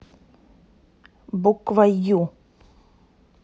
буква ю